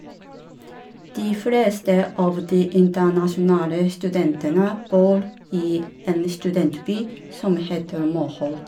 De fleste av de internasjonale studentene bor i en studentby som heter Moholt.